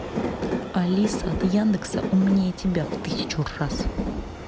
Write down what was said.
алиса от яндекса умнее тебя тысячу раз